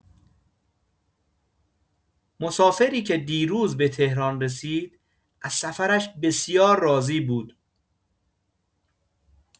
مسافری که دیروز به تهران رسید، از سفرش بسیار راضی بود.